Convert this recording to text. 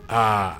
Haa